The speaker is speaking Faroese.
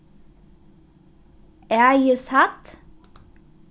ægishædd